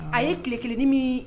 A ye tile kelen nimi